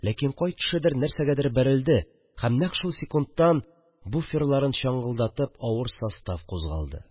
Ләкин кай төшедер нәрсәгәдер бәрелде, һәм нәкъ шул секундтан буферларын чыңгылдатып авыр состав кузгалды